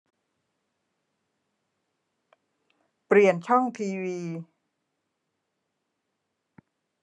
เปลี่ยนช่องทีวี